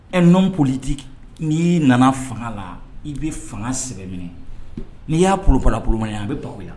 Ɛ n nɔnolitigi n'i y'i nana fanga la i bɛ fanga sɛbɛnbɛ minɛ n'i y'abalama yan an bɛ baga yan